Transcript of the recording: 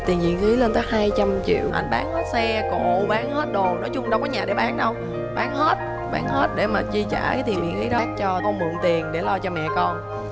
tiền viện phí lên tới hai trăm triệu ảnh bán hết xe cộ bán hết đồ nói chung đâu có nhà để bán đâu bán hết bán hết để mà chi trả cái tiền viện phí đó bác cho con mượn tiền để lo cho mẹ con